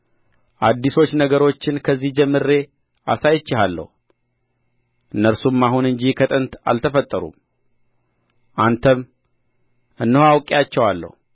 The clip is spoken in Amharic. አዲሶች ነገሮችን ከዚህ ጀምሬ አሳይቼሃለሁ እነርሱም አሁን እንጂ ከጥንት አልተፈጠሩም አንተም እነሆ አውቄአቸዋለሁ